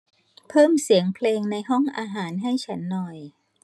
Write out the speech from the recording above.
เพิ่มเสียงเพลงในห้องอาหารให้ฉันหน่อย